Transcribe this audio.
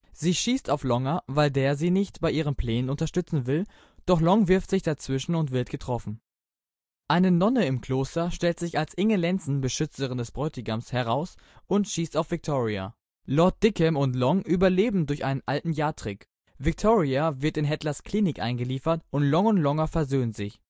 Sie schießt auf Longer, weil der sie nicht bei ihren Plänen unterstützen will, doch Long wirft sich dazwischen und wird getroffen. Eine Nonne im Kloster stellt sich als Inge Lenßen, Beschützerin des Bräutigams, heraus und schießt auf Victoria. Lord Dickham und Long überleben durch einen alten Yard-Trick. Victoria wird in Hatlers Klinik eingeliefert und Long und Longer versöhnen sich